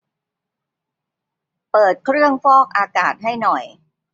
เปิดเครื่องฟอกอากาศให้หน่อย